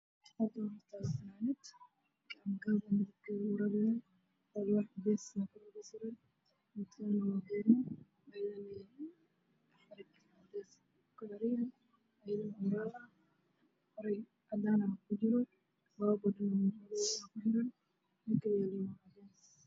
Waa funaanad iyo buumo meel suran